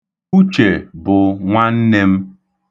Uche bụ nwanne m.